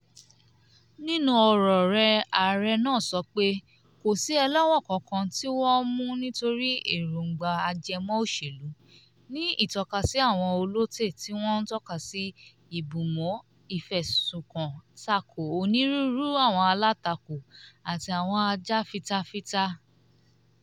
Nínú ọ̀rọ̀ rẹ̀, ààrẹ náà sọ pé "kò sì ẹlẹ́wọ̀n kankan tí wọ́n mú nítorí èróńgbà ajẹmọ́ òṣèlú," ní ìtọ́kasí àwọn ọlọ́tẹ̀ tí wọ́n ń tọ́ka sí ìbùmọ́ ìfẹ̀sùnkàn tako ònírúurú àwọn alátakò àti àwọn ajàfitafita.